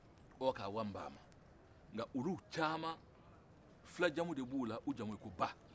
hɔkawambam nka olu caman fila jamunw de b'u la u jamun ko ba